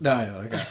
Na iawn oce.